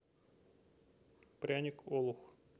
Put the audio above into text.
пряник олух